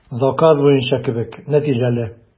Заказ буенча кебек, нәтиҗәле.